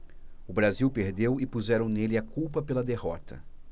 o brasil perdeu e puseram nele a culpa pela derrota